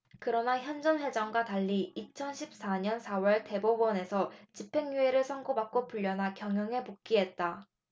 그러나 현 전 회장과 달리 이천 십 삼 년 사 월 대법원에서 집행유예를 선고 받고 풀려나 경영에 복귀했다